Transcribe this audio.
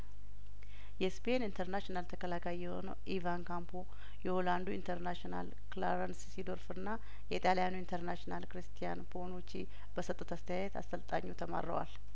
የስፔን ኢንተርናሽናል ተከላካይ የሆነው ኢቫን ካምፖ የሆላንዱ ኢንተርናሽናል ክላ ረንስ ሲዶር ፍና የጣልያኑ ኢንተርናሽናል ክሪስቲያን ፖኑቺ በሰጡት አስተያየት አሰልጣኙ ተማረዋል